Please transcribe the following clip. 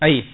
ayi